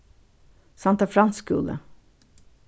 sankta frans skúli